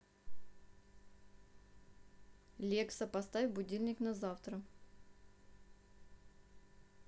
лекса поставь будильник на завтра